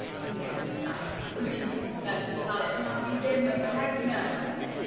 sim gyda fi Ess Tee eye wyt ti'n pregnant o'n i fal na fi ddim yn pregnant.